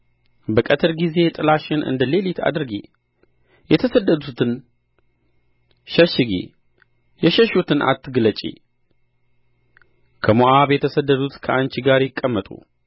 በቀትር ጊዜ ጥላሽን እንደ ሌሊት አድርጊ የተሰደዱትን ሸሽጊ የሸሹትን አትግለጪ ከሞዓብ የተሰደዱት ከአንቺ ጋር ይቀመጡ